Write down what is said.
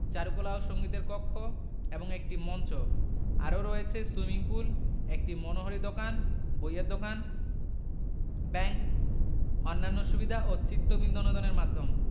চারুকলা ও সঙ্গীতের কক্ষ এবং একটি মঞ্চ আরও রয়েছে সুইমিং পুল একটি মনোহারী দোকান বইয়ের দোকান ব্যাংক অন্যান্য সুবিধা ও চিত্তবিনোদনের মাধ্যম